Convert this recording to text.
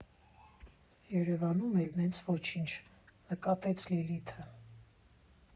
֊ Երևանում էլ նենց ոչինչ, ֊ նկատեց Լիլիթը։